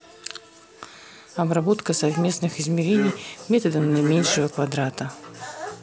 обработка совместных измерений методом наименьшего квадрата